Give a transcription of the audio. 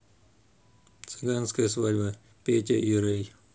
цыганская свадьба петя и ray